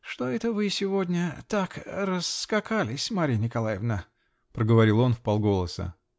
-- Что это вы сегодня так расскакались, Марья Николаевна? -- проговорил он вполголоса.